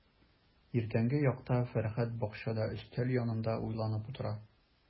Иртәнге якта Фәрхәт бакчада өстәл янында уйланып утыра.